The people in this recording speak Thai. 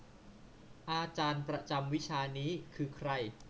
อาจารย์ประจำวิชานี้คือใคร